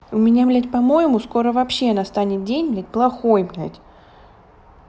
у меня блядь по моему скоро вообще настанет день блять плохой блядь